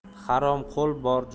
harom qo'l bor